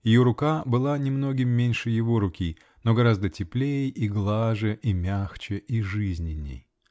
Ее рука была немногим меньше его руки -- но гораздо теплей и глаже, и мягче, и жизненней.